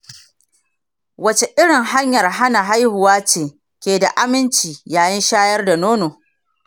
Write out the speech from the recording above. wacce irin hanyar hana haihuwa ce ke da aminci yayin shayar da nono?